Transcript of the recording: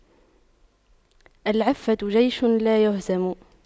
العفة جيش لايهزم